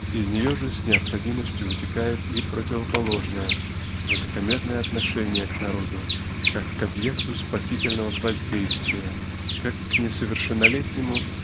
Но из нее же с необходимостью вытекает и противоположное -- высокомерное отношение к народу как к объекту спасительного воздействия как к несовершеннолетнему